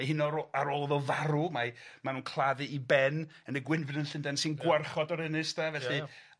A hy' yn o' ar ô- ar ôl iddo farw, mae ma' nw'n claddu 'i ben yn y Gwynfryn yn Llunden ia. sy'n gwarchod o'r ynys 'de felly. Ia ia.